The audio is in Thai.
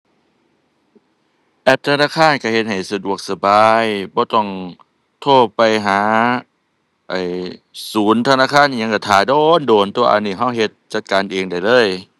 แอปธนาคารก็เฮ็ดให้สะดวกสบาย บ่ต้องโทรไปหา ไอ้ ศูนย์ธนาคารอิหยัง ก็ท่าโดนโดนตั่ว อันนี้ก็เฮ็ด จัดการเองได้เลย